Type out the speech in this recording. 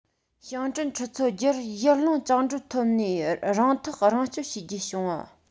ཞིང བྲན ཁྲི ཚོ བརྒྱར ཡར ལངས བཅིངས འགྲོལ ཐོབ ནས རང ཐག རང གཅོད བྱེད རྒྱུ བྱུང བ